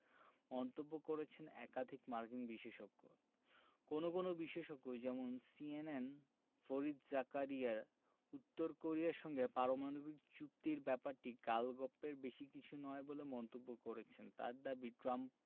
মন্তব্য করেছেন একাধিক মার্কিন বিশেষজ্ঞ কোনো কোনো বিশেষজ্ঞ যেমন সিএনএন ফরিদ জাকারিয়া উত্তর কোরিয়ার সঙ্গে পারমাণবিক চুক্তির ব্যাপারটি গালগপ্পের বেশি কিছু নয় বলে মন্তব্য করেছেন তাঁর দাবি ট্রাম্প